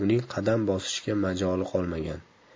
uning qadam bosishga majoli qolmagan